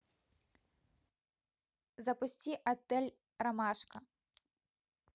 запусти отель ромашка